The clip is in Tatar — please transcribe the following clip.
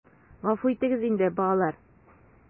Гафу итегез инде, балалар...